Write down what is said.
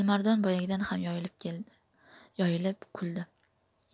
alimardon boyagidan ham yoyilib keldi yoyilib kuldi